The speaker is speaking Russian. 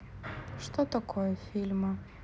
что такое фильма